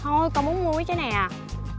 thôi con muốn mua mấy trái này à